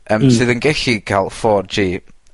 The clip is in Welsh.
yym... Hmm. ...sydd yn gellu ca'l four gee